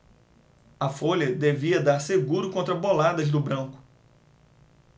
a folha devia dar seguro contra boladas do branco